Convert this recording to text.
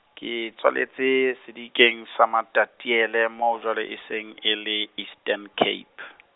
ke tswaletswe sedikeng sa Matatiele moo jwale e eseng e le Eastern Cape .